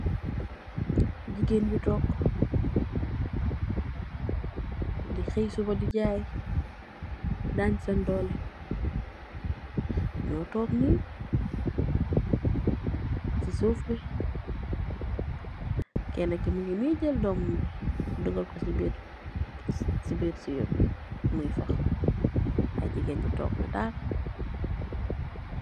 jigeen yuu tok di wawhtaen.